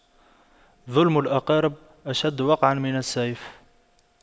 ظلم الأقارب أشد وقعا من السيف